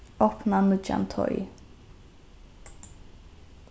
opna nýggjan teig